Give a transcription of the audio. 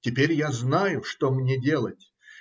– Теперь я знаю, что мне делать.